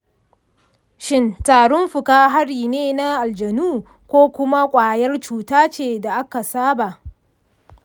shin tarin fuka hari ne na aljanu ko kuma ƙwayar cuta ce da aka saba?